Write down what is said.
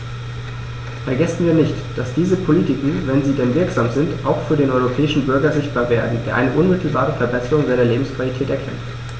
Vergessen wir nicht, dass diese Politiken, wenn sie denn wirksam sind, auch für den europäischen Bürger sichtbar werden, der eine unmittelbare Verbesserung seiner Lebensqualität erkennt!